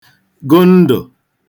gụ ndụ̀